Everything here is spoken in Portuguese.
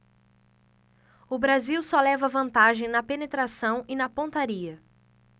o brasil só leva vantagem na penetração e na pontaria